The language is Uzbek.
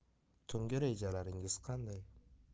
tungi rejalaringiz qanday